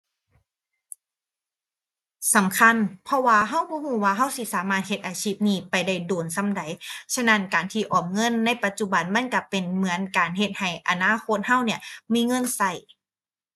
สำคัญ เพราะว่าเราบ่เราว่าเราสิสามารถเฮ็ดอาชีพนี้ไปได้โดนส่ำใด ฉะนั้นการที่ออมเงินในปัจจุบัน มันเราเป็นเหมือนการเฮ็ดให้อนาคตเราเนี่ย มีเงินเรา